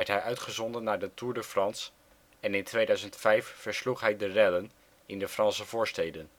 uitgezonden naar de Tour de France en in 2005 versloeg hij de rellen in de Franse voorsteden